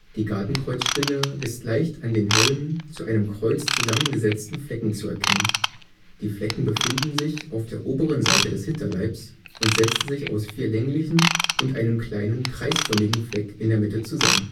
Die Gartenkreuzspinne ist leicht an den hellen, zu einem Kreuz zusammengesetzten Flecken zu erkennen. Die Flecken befinden sich auf der oberen Seite des Hinterleibs und setzen sich aus vier länglichen und einem kleinen, kreisförmigen Fleck in der Mitte zusammen